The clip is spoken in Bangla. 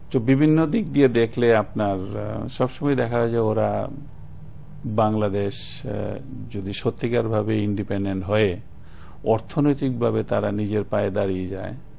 তো বিভিন্ন দিক দিয়ে দেখলে আপনার সময়ই দেখা যায় যে ওরা বাংলাদেশ যদি সত্যিকারের ভাবেই ইন্ডিপেন্ডেন্ট হয়ে অর্থনৈতিকভাবে তারা নিজের পায়ে দাঁড়িয়ে যায়